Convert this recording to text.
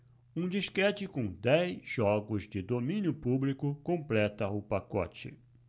um disquete com dez jogos de domínio público completa o pacote